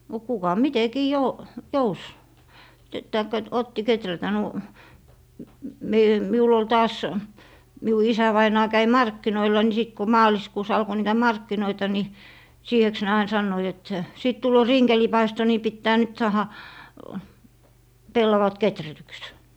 no no kuka mitenkin - jouti tai - otti kehrätä --- minulla oli taas minun isävainaja kävi markkinoilla niin sitten kun maaliskuussa alkoi niitä markkinoita niin siiheksi ne aina sanoivat että sitten tulee rinkelipaisto niin pitää nyt saada pellavat kehrätyksi